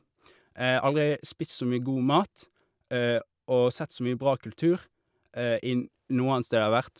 Aldri spist så mye god mat og sett så mye bra kultur in noe annet sted jeg har vært.